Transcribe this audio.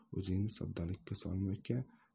o'zingni soddalikka solma uka